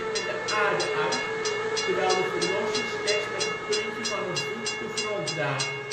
met de aarde uit, terwijl de Verlosser slechts met het puntje van een voet de grond raakt